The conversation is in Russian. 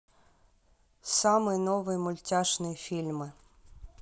самые новые мультяшные фильмы